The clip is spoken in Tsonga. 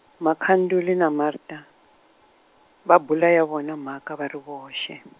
Makhanduli na Martha, va bula ya vona mhaka va ri voxe.